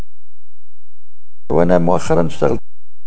وانا مؤخرا